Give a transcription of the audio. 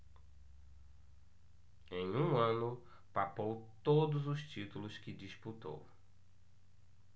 em um ano papou todos os títulos que disputou